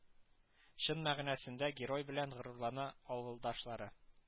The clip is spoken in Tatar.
Чын мәгънәсендә герой белән горурлана авылдашлары